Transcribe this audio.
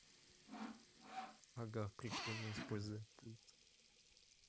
ага прикольно используя пульт